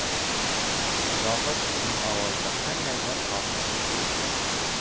zohid uning ovozida qandaydir horg'inlik sezdi